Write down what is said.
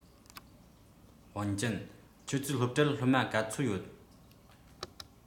ཝུན ཅུན ཁྱོད ཚོའི སློབ གྲྭར སློབ མ ག ཚོད ཡོད